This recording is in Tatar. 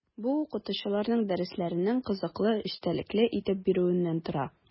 Бу – укытучыларның дәресләрен кызыклы, эчтәлекле итеп бирүеннән тора.